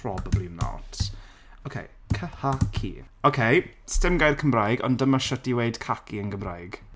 Probably not ok khaki ok, s'dim gair Cymraeg ond dyma shwt i 'weud khaki'n Gymraeg